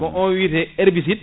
ko on wiyete herbicide